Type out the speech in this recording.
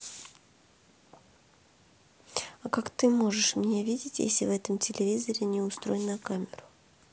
а как ты можешь меня видеть если в этом телевизоре не устрой на камеру